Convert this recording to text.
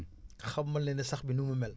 xamal leen ne sax bi nu mu mel